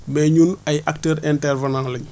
mais ñun ay acteurs intervenant lañ